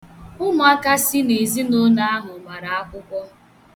Umụaka si n' ezinụụlọ ahụ mara akwụkwọ.